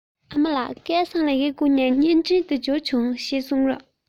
ཨ མ ལགས སྐལ བཟང ལ ཡི གེ བསྐུར ན བརྙན འཕྲིན དེ འབྱོར འདུག གསུངས རོགས